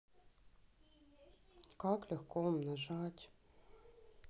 как легко умножать